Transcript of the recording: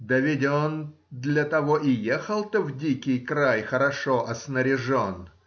да ведь он для того и ехал-то в дикий край хорошо оснаряжен